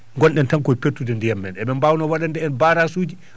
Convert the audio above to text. ngonɗen tan koye pertude ndiyam men eɓe mbawno waɗande en baarasuji